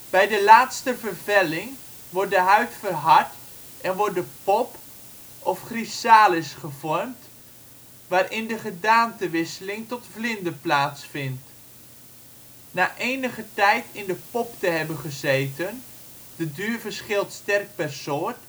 Bij de laatste vervelling wordt de huid verhard, en wordt de pop of chrysalis gevormd waarin de gedaanteverwisseling tot vlinder plaatsvindt. Na enige tijd in de pop te hebben gezeten - de duur verschilt sterk per soort